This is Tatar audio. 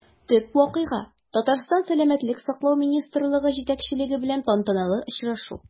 Төп вакыйга – Татарстан сәламәтлек саклау министрлыгы җитәкчелеге белән тантаналы очрашу.